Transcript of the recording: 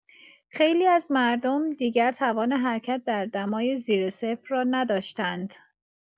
خیلی از مردم دیگر توان حرکت در دمای زیر صفر را نداشتند.